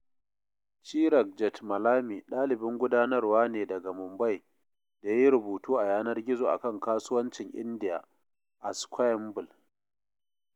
Chirag Jethmalami ɗalibin gudanarwa ne daga Mumbai da ya yi rubutu a yanar gizo akan kasuwancin India a Squamble.